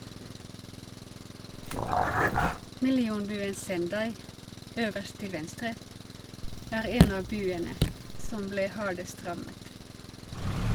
Millionbyen Sendai (øverst til venstre) er en av byene som ble hardest rammet.